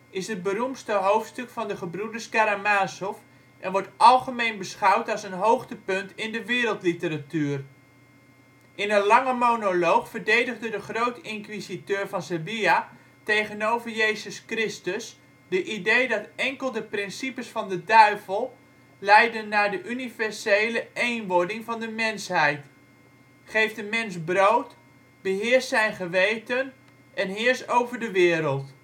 is het beroemdste hoofdstuk van De gebroeders Karamazov en wordt algemeen beschouwd als een hoogtepunt in de wereldliteratuur. In een lange monoloog verdedigde de grootinquisiteur van Sevilla tegenover Jezus Christus de idee dat enkel de principes van de duivel leiden naar de universele eenwording van de mensheid: Geef de mens brood, beheers zijn geweten en heers over de wereld